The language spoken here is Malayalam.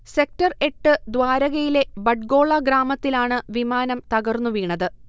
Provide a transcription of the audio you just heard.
സെക്ടർ എട്ട് ദ്വാരകയിലെ ബഗ്ഡോള ഗ്രാമത്തിലാണ് വിമാനം തകർന്നുവീണത്